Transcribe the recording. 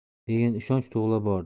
degan ishonch tug'ila bordi